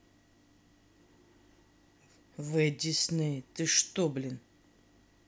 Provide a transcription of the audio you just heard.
the disney ты что блин